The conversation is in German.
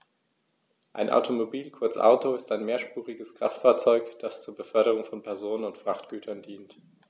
Ein Automobil, kurz Auto, ist ein mehrspuriges Kraftfahrzeug, das zur Beförderung von Personen und Frachtgütern dient.